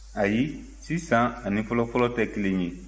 ayi sisan ani fɔlɔfɔlɔ tɛ kelen ye